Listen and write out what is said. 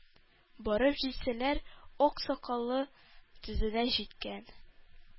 Барып җитсәләр, ак сакалы тезенә җиткән,